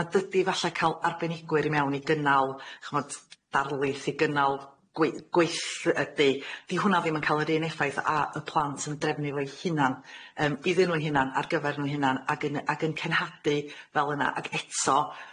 Na dydi falle ca'l arbenigwyr i mewn i gynnal ch'mod darlith i gynnal gwe- gweithydy 'di hwnna ddim yn ca'l yr un effaith a y plant yn drefnu fo'i hunan yym iddyn nw'i hunan ar gyfer nw'n hunan ag yn ag yn cenhadu fel yna ag eto